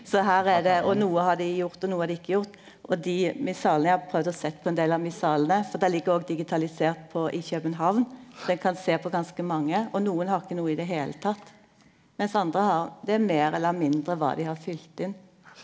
så her er det og noko har dei gjort og noko har dei ikkje gjort og dei missalen eg har prøvd å sett på ein del av missalene for der ligg òg digitalisert på i København der ein kan sjå på ganske mange og nokon har ikkje noko i det heile tatt mens andre har det meir eller mindre kva dei har fylt inn.